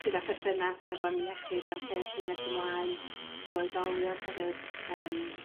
sydd â pherthynas efo'n iechyd a'n lles ni nes ymlaen fel oedolion hefyd yym.